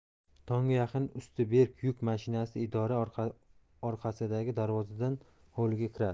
tongga yaqin usti berk yuk mashinasi idora orqasidagi darvozadan hovliga kiradi